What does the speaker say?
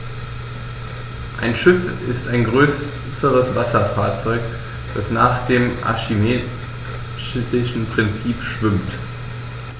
Ein Schiff ist ein größeres Wasserfahrzeug, das nach dem archimedischen Prinzip schwimmt.